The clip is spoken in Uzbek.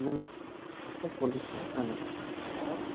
nim kosa bo'lishi aniq